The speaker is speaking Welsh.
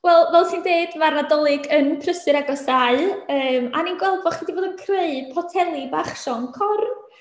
Wel, fel ti'n deud, mae'r Nadolig yn prysur agosáu. Yym, a o'n i'n gweld bo' chi 'di bod yn creu poteli bach Sion Corn.